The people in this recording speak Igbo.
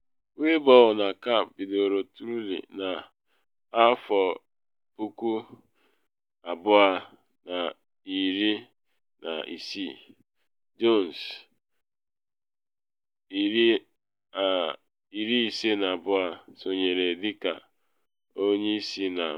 Willoughby na Capp bidoro Truly na 2016, Jones, 52, sonyere dị ka onye isi na Machị.